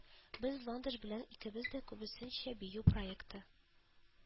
Без Ландыш белән икебез дә күбесенчә бию проекты